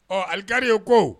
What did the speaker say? Ɔ alikariri ye ko